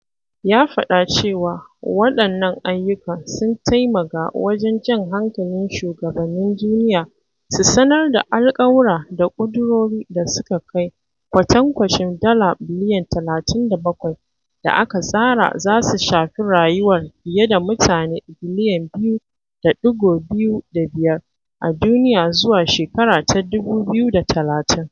Ya faɗa cewa waɗannan ayyukan sun taimaka wajen jan hankalin shugabannin duniya su sanar da alƙawura da ƙudurori da suka kai kwatancin dala biliyan 37 da aka tsara za su shafi rayuwar fiye da mutane biliyan 2.25 a duniya zuwa shekara ta 2030.